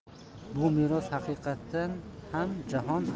bu meros haqiqatan ham jahon